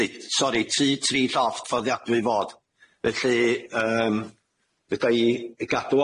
neu sori tri tri llofft ffoddiadwy fod felly yym fedrai gadw